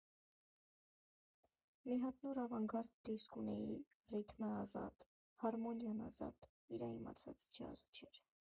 Մի հատ նոր ավանգարդ դիսկ ունեի՝ ռիթմը՝ ազատ, հարմոնիան՝ ազատ, իրա իմացած ջազը չէր։